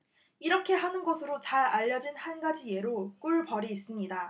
이렇게 하는 것으로 잘 알려진 한 가지 예로 꿀벌이 있습니다